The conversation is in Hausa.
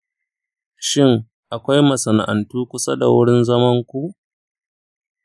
shin akwai masana’antu kusa da wurin zamanku?